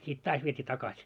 sitten taas vietiin takaisin